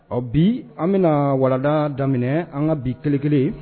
Ɔ bi an benaa walandaa daminɛ an' ŋa bi kele-kele